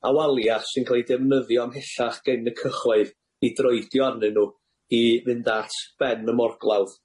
A walia' sy'n ca'l eu defnyddio ymhellach gen y cyhoedd i droedio arnyn nw i fynd at ben y morglawdd.